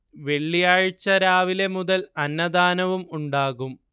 വെള്ളിയാഴ്ച രാവിലെ മുതൽ അന്നദാനവും ഉണ്ടാകും